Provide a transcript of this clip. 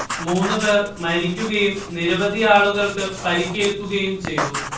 മൂന്നുപേർ മരിക്കുകയും നിരവധി ആളുകൾക്ക് പരുക്കേൽക്കുയും ചെയ്തു